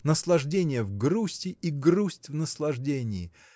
наслаждение в грусти и грусть в наслаждении